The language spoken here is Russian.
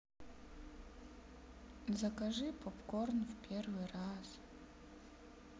закажи попкорн в первый раз